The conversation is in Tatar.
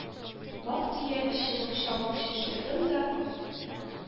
Вак-төяк чыбык-чабык җыештырдым да